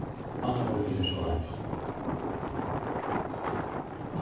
mannagongdin er soleiðis